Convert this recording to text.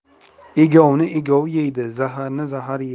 egovni egov yeydi zaharni zahar yeydi